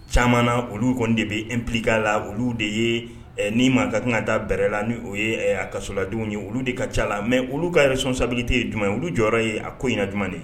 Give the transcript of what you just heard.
Caman na olu kɔni de bɛ impliqué a la, olu de ye ni ma ka kan ka da bɛrɛ la ni o ye kasoladenw ye olu de ka caa la mais olu ka responsabilité ye jumɛn ye, olu jɔyɔrɔ ye a ko in na jumɛn de ye?